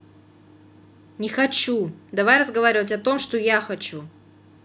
не хочу давай разговаривать о том что я хочу